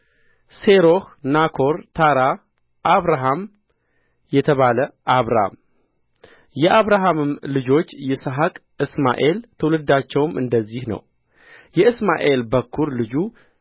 ሴሮሕ ናኮር ታራ አብርሃም የተባለ አብራም የአብርሃምም ልጆች ይስሐቅ እስማኤል ትውልዳቸውም እንደዚህ ነው የእስማኤል በኵር ልጅ